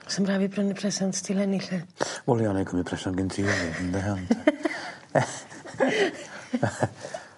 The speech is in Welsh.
Sim rhai fi prynu presant ti leni 'lly. Wel ia 'nai cymryd presant gen ti efyd ynde ond...